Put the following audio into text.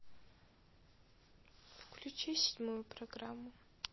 включи седьмую программу